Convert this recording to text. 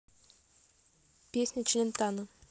песня челентано